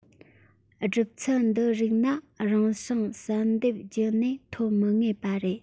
གྲུབ ཚུལ འདི རིགས ནི རང བྱུང བསལ འདེམས བརྒྱུད ནས ཐོབ མི ངེས པ ཡིན